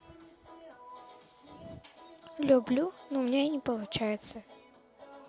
люблю но у меня не получается